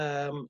yym